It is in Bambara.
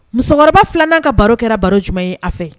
Musokɔrɔba 2an ka baro kɛra baro jumɛn in ye a fɛ?